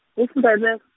yisNdebe-.